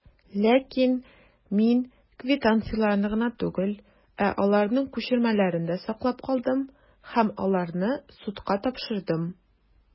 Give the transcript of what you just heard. Ләкин мин квитанцияләрне генә түгел, ә аларның күчермәләрен дә саклап калдым, һәм аларны судка тапшырдым.